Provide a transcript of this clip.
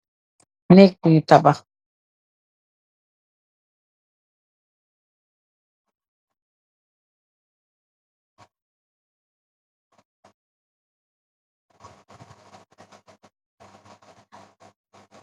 Nek bounyou takh bahk